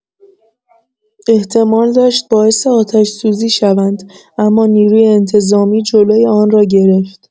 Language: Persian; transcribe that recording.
احتمال داشت باعث آتش‌سوزی شوند، امانیروی انتظامی جلوی آن را گرفت.